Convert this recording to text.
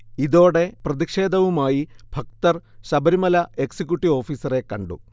ഇതോടെ പ്രതിഷേധവുമായി ഭക്തർ ശബരിമല എക്സിക്യൂട്ടീവ് ഓഫീസറെ കണ്ടു